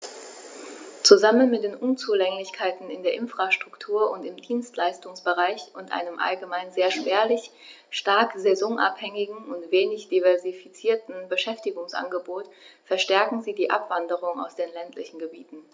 Zusammen mit den Unzulänglichkeiten in der Infrastruktur und im Dienstleistungsbereich und einem allgemein sehr spärlichen, stark saisonabhängigen und wenig diversifizierten Beschäftigungsangebot verstärken sie die Abwanderung aus den ländlichen Gebieten.